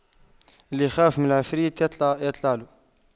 اللي يخاف من العفريت يطلع له